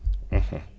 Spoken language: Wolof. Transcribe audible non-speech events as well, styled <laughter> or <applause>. <hesitation> <hesitation>